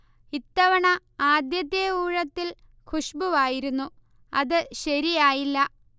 ഇത്തവണ ആദ്യത്തെ ഊഴത്തിൽ ഖുശ്ബുവായിരുന്നു. അത് ശരിയായില്ല